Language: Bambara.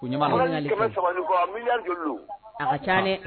U ɲɛ b'a la, kɛmɛ saba ani kɔ milliard joli don? A ka ca dɛ !